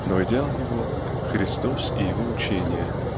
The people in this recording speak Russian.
но идеал его -- Христос и Его учение